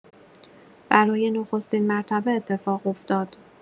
برای نخستین مرتبه اتفاق افتاد!